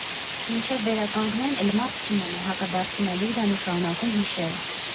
«Մինչև վերականգնեն, էլ մարդ չի մնա, ֊ հակադարձում է Լյուդան ու շարունակում հիշել.